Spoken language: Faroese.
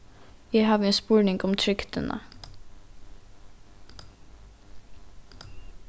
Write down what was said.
eg havi ein spurning um trygdina